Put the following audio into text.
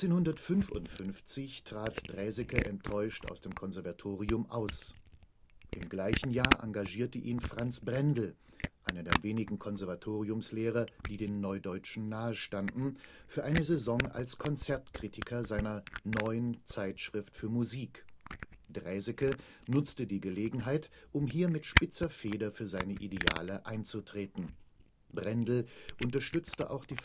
1855 trat Draeseke enttäuscht aus dem Konservatorium aus. Im gleichen Jahr engagierte ihn Franz Brendel - einer der wenigen Konservatoriumslehrer, die den Neudeutschen nahe standen – für eine Saison als Konzertkritiker seiner Neuen Zeitschrift für Musik. Draeseke nutzte die Gelegenheit, um hier mit spitzer Feder für seine Ideale einzutreten. Brendel unterstützte auch die